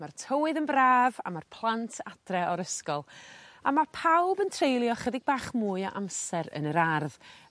ma'r tywydd yn braf a ma'r plant adre o'r ysgol a ma' pawb yn treulio chydig bach mwy o amser yn yr ardd